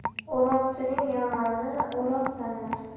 o'roqchining yomoni o'roq tanlar